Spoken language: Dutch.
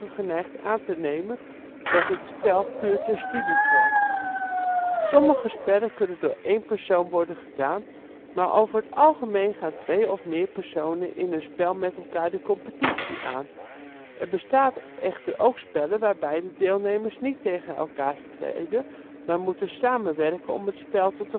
geneigd aan te nemen dat het spel puur ter studie geldt. Sommige spellen kunnen door één persoon worden gedaan, maar over het algemeen gaan twee of meer personen in een spel met elkaar de competitie aan. Er bestaan echter ook spellen waarbij de deelnemers niet tegen elkaar strijden, maar moeten samenwerken om het spel tot